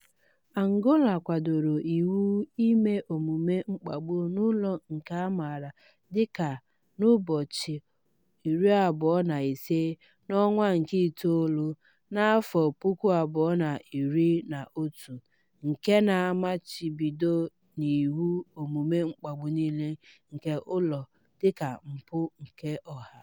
Angola kwadoro iwu ime omume mkpagbu n'ụlọ nke a maara dịka 25/11 na 2011 nke na-amachibudo n'iwu omume mkpagbu niile nke ụlọ dịka mpụ keọha.